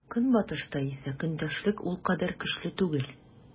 Көнбатышта исә көндәшлек ул кадәр көчле түгел.